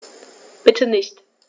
Bitte nicht.